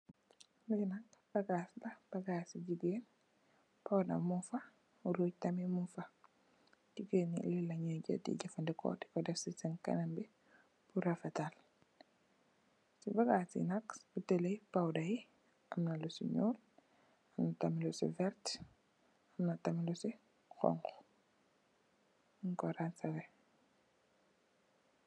Li nak bagas la bagas jigeen powder mung fa ruj tamit mung fa bagas yoy la jigeeni dee jefandehko ci Sen kanami pur refetal bagasi nak buteli powder yi amna lusi nyool amna tam lusi veert amna tamit lusi xonxu nyung ko ranseleh